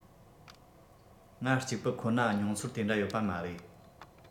ང གཅིག པུ ཁོ ན མྱོང ཚོར དེ འདྲ ཡོད པ མ རེད